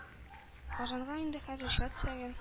Казанда инде хәзер чат саен